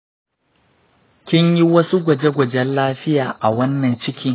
kin yi wasu gwaje-gwajen lafiya a wannan ciki?